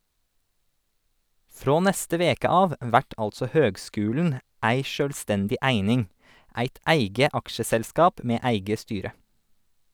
Frå neste veke av vert altså høgskulen ei sjølvstendig eining, eit eige aksjeselskap med eige styre.